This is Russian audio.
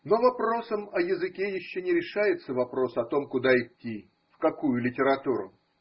Но вопросом о языке еще не решается вопрос о том, куда идти. в какую литературу.